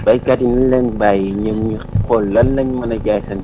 béykat yi nañ leen bàyyi ñoom ñu xool lan lañ mën a jaayee seen